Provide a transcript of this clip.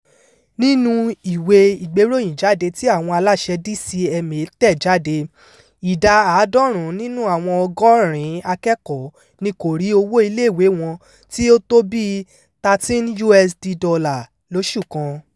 Nínú ìwé ìgbéròyìnjáde tí àwọn aláṣẹ DCMA tẹ̀ jáde, ìdá àádọ́rin nínú àwọn ọgọ́rin akẹ́kọ̀ọ́ ni kò rí owó iléèwé wọn tí ó tó bíi $13 USD lóṣù san.